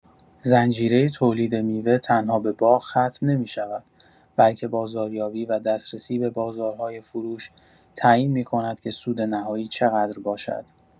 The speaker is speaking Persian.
زنجیره تولید میوه تنها به باغ ختم نمی‌شود بلکه بازاریابی و دسترسی به بازارهای فروش تعیین می‌کند که سود نهایی چقدر باشد.